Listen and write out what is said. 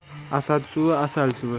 asad suvi asal suvi